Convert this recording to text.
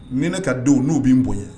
Ni ne ka denw n'u bɛ n bonya